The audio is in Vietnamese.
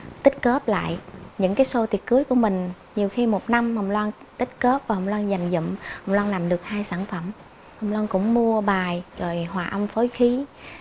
tích góp lại những cái sô tiệc cưới của mình nhiều khi một năm hồng loan tích góp và hông loan dành dụm hồng loan làm được hai sản phẩm hồng loan cũng mua bài rồi hòa âm phối khí